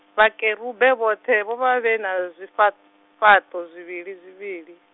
Vhakerube vhoṱhe vho vha vhena zwifha- -fhaṱo zwivhilizwivhili.